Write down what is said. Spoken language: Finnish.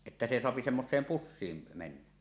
että se saa semmoiseen pussiin mennä